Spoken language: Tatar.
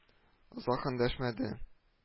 Озак эндәшмәде